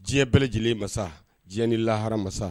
Diɲɛ bɛɛ lajɛlen masa diɲɛ ni lahara masa